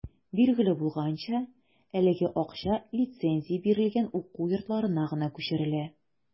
Билгеле булганча, әлеге акча лицензия бирелгән уку йортларына гына күчерелә.